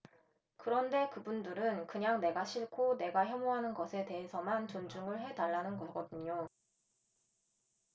그런데 그분들은 그냥 내가 싫고 내가 혐오하는 것에 대해서만 존중을 해 달라는 거거든요